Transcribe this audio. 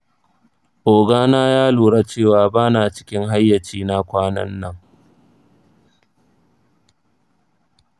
oga na ya lura cewa bana cikin hayyacina kwanan nan.